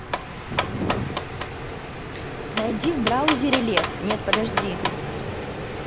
найди в браузере лев нет подожди